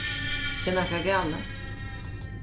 er nakað galið